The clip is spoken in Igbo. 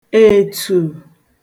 ètù